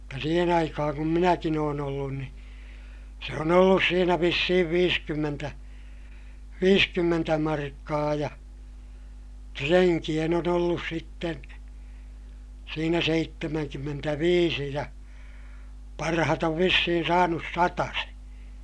mutta siihen aikaan kun minäkin olen ollut niin se on ollut siinä vissiin viisikymmentä viisikymmentä markkaa ja renkien on ollut sitten siinä seitsemänkymmentäviisi ja parhaat on vissiin saanut satasen